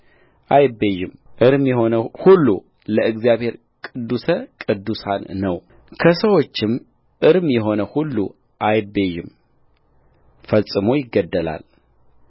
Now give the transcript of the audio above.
አይቤዥም እርም የሆነ ነገር ሁሉ ለእግዚአብሔር ቅዱስ ቅዱሳን ነውከሰዎችም እርም የሆነ ሁሉ አይቤዥም ፈጽሞ ይገደላል